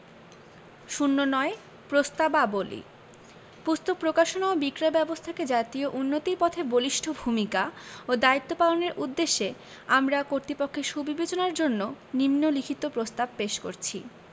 ০৯ প্রস্তাবাবলী পুস্তক প্রকাশনা ও বিক্রয় ব্যাবস্থাকে জাতীয় উন্নতির পথে বলিষ্ঠ ভূমিকা ও দায়িত্ব পালনের উদ্দেশ্যে আমরা কর্তৃপক্ষের সুবিবেচনার জন্য নিন্ম লিখিত প্রস্তাব পেশ করছি